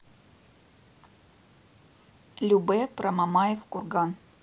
любэ про мамаев курган